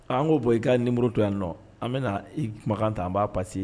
An k'o bon i ka numéro to yan nɔ an bɛna, i kumakan ta an b'a Passer